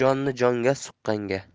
jonni jonga suqqanga